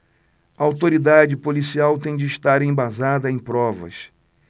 a autoridade policial tem de estar embasada em provas